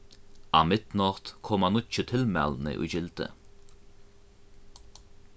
á midnátt koma nýggju tilmælini í gildi